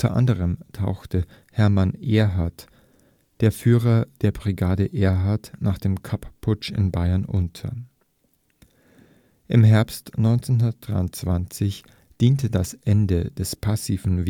anderem tauchte Hermann Ehrhardt, der Führer der Brigade Ehrhardt, nach dem Kapp-Putsch in Bayern unter. Im Herbst 1923 diente das Ende des passiven